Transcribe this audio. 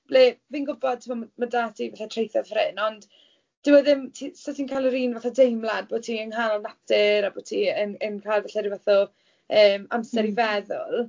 le fi'n gwybod, timod, ma' 'da ti falle traethau ffor' hyn, ond dyw e ddim... ti ...so ti'n cael yr un fath o deimlad bod ti yng nghanol natur, a bod ti yn yn cael falle ryw fath o, yym, amser i feddwl.